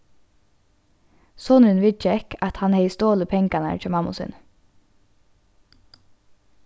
sonurin viðgekk at hann hevði stolið pengarnar hjá mammu síni